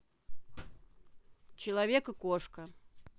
человек и кошка